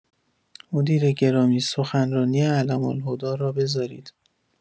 مدیر گرامی سخنرانی علم‌الهدی را بزارید